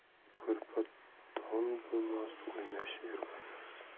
ko'rpa to'n bo'lmas o'ynash er bo'lmas